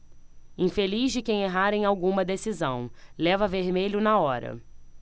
infeliz de quem errar em alguma decisão leva vermelho na hora